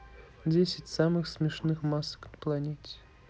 десять самых смешных масок на планете